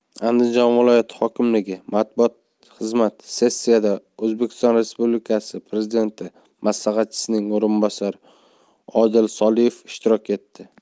andijon viloyati hokimligi matbuot xizmatisessiyada o'zbekiston respublikasi prezidenti maslahatchisining o'rinbosari odil soliyev ishtirok etdi